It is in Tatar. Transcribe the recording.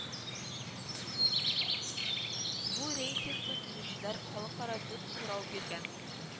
Бу рейтингны төзүчеләр халыкара дүрт сорау биргән: